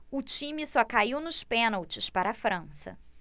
o time só caiu nos pênaltis para a frança